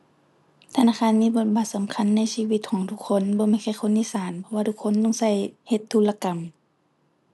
ธนาคารมีบทบาทสำคัญในชีวิตของทุกคน บ่แม่นแค่คนอีสาน เพราะว่าทุกคนต้องใช้เฮ็ดธุรกรรม